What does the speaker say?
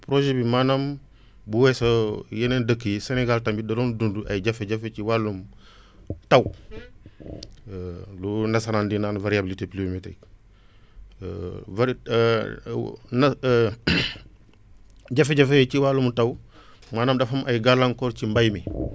projet bi maanaam bu weesoo yeneen dëkk yi Sénégal tamit da doon dund ay jafe-jafe ci wàllum taw loolu nasaraan di naan variabilité pluviométrie varié na jafe-jafe yi ci wàllum taw maanaam dafa am ay gàllankoor ci mbay mi